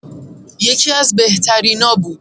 یکی‌از بهترینا بود